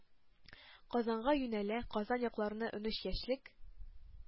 Казанга юнәлә, «Казан якларына унөч яшьлек